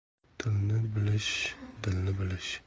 tilni bilish dilni bilish